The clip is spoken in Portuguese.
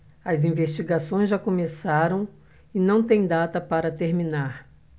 as investigações já começaram e não têm data para terminar